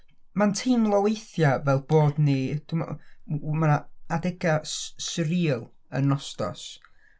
Mae'n teimlo weithia fel bod ni, dwi'n meddwl w- ma' 'na adega s- surreal yn Nostos.